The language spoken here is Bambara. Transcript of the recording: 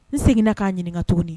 N seginna k'a ɲininka tuguni di